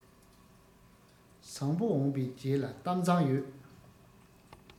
བཟང པོ འོངས པའི རྗེས ལ གཏམ བཟང ཡོད